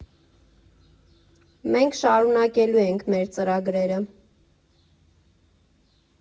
Մենք շարունակելու ենք մեր ծրագրերը։